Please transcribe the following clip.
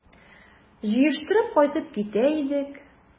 Җыештырып кайтып китә идек...